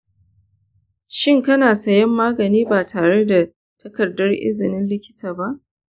shin kana sayen magani ba tare da takardar izinin likita ba?